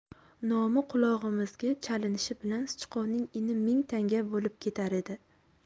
nomi qulog'imizga chalinishi bilan sichqonning ini ming tanga bo'lib ketar edi